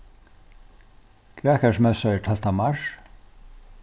grækarismessa er tólvta mars